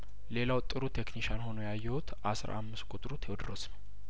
ሌላው ጥሩ ቴክኒሻን ሆኖ ያየሁት አስራ አምስት ቁጥሩ ቴዎድሮስ ነው